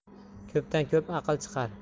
ko'pdan ko'p aql chiqar